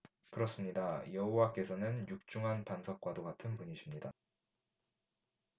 그렇습니다 여호와께서는 육중한 반석과도 같은 분이십니다